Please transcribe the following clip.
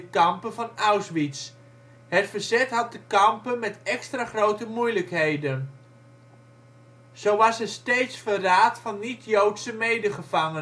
kampen van Auschwitz. Het verzet had te kampen met extra grote moeilijkheden. Zo was er steeds verraad van niet-Joodse medegevangenen. Velen